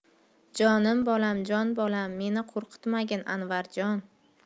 jonim bolam jon bolam meni qo'rqitmagin anvarjon